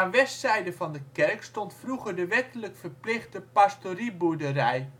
westzijde van de kerk stond vroeger de wettelijk verplichte pastorieboerderij